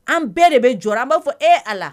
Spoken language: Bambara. An bɛɛ de bɛ jɔ an b'a fɔ e a la